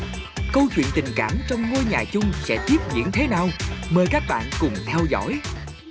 câu chuyện tình cảm trong ngôi nhà chung sẽ tiếp diễn thế nào mời các bạn cùng theo dõi